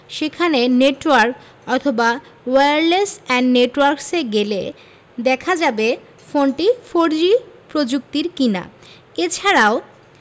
সেখানে নেটওয়ার্ক অথবা wireless and networks এ গেলে দেখা যাবে ফোনটি ফোরজি প্রযুক্তির কিনা এ ছাড়াও